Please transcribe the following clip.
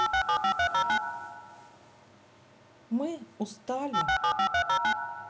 мы устали